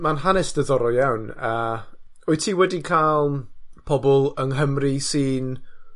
ma'n hanes diddorol iawn, a wyt ti wedi ca'l pobl yng Nghymru sy'n